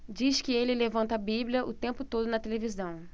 diz que ele levanta a bíblia o tempo todo na televisão